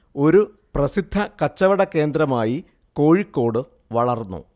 ഒരു പ്രസിദ്ധ കച്ചവട കേന്ദ്രമായി കോഴിക്കോട് വളർന്നു